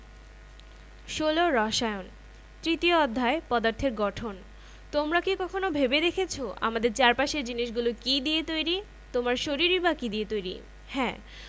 ১৬ রসায়ন তৃতীয় অধ্যায় পদার্থের গঠন তোমরা কি কখনো ভেবে দেখেছ আমাদের চারপাশের জিনিসগুলো কী দিয়ে তৈরি তোমার শরীরই বা কী দিয়ে তৈরি হ্যাঁ